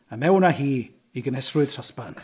A mewn a hi, i gynesrwydd sosban.